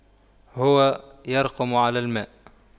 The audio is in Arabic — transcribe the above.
هو يرقم على الماء